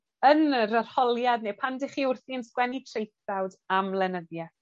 yn yr arholiad ne' pan dych chi wrthi yn sgwennu traethawd am lenyddieth,